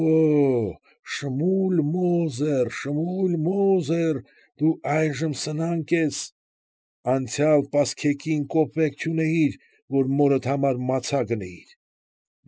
Օ՜օ, Շմուլ Մոզեր, Շմուլ Մոզեր, դու այժմ սնանկ ես, անցյալ պասկեքին կոպեկ չունեիր, որ մորդ համար «մացա» գնեիր։